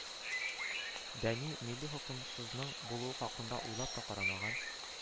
Дәни, милли хокукымызның булуы хакында уйлап та карамаган